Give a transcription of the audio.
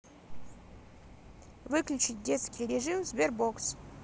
выключить детский режим sberbox